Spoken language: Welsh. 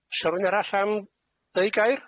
S'a r'wun arall am ddeu' gair?